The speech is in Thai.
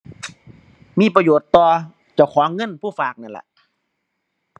มีประโยชน์ต่อ เจ้าของเงินผู้ฝากนั่นล่ะ